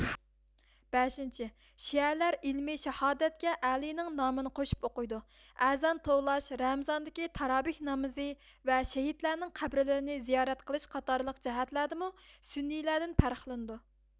بەشىنچى شىئەلەر ئىلمى شاھادەت كە ئەلىنىڭ نامىنى قوشۇپ ئوقۇيدۇ ئەزان توۋلاش رامزاندىكى تارابېھ نامىزى ۋە شېھىتلەرنىڭ قەبرىلىرىنى زىيارەت قىلىش قاتارلىق جەھەتلەردىمۇ سۈننىيلەردىن پەرقلىنىدۇ